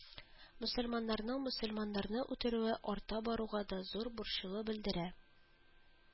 Мөселманнарның мөселманнарны үтерүе арта баруга да зур борчылу белдерә